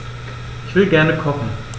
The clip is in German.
Ich will gerne kochen.